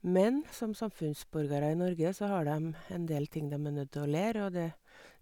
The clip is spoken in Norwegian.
Men som samfunnsborgere i Norge så har dem en del ting dem er nødt til å lære, og det